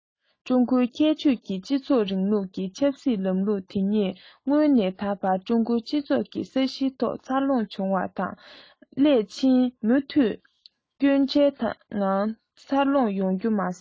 ཀྲུང གོའི ཁྱད ཆོས ཀྱི སྤྱི ཚོགས རིང ལུགས ཀྱི ཆབ སྲིད ལམ ལུགས དེ ཉིད སྔོན ནས ད བར ཀྲུང གོའི སྤྱི ཚོགས ཀྱི ས གཞིའི ཐོག འཚར ལོངས བྱུང བ དང སླད ཕྱིན མུ མཐུད སྐྱོན བྲལ ངང འཚར ལོངས ཡོང རྒྱུ མ ཟད